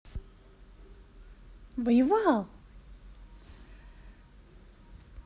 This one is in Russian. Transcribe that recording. воевал